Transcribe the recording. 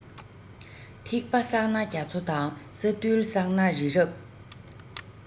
ཐིགས པ བསགས ན རྒྱ མཚོ དང ས རྡུལ བསགས ན རི རབ